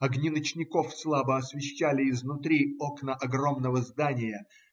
огни ночников слабо освещали изнутри окна огромного здания